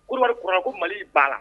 Kulubali ko ko mali' ba la